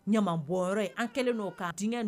Ɲama bɔ ye an kɛlen'o kan d